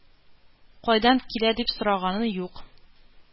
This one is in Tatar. Кайдан килә дип сораганы юк?